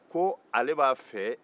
ko ale b'a fɛ